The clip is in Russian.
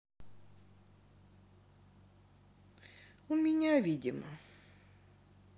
у меня видимо